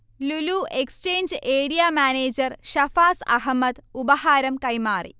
Lulu exchange area manager Shafas Ahammed ഉപഹാരം കൈമാറി